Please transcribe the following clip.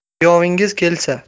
kuyovingiz kelsa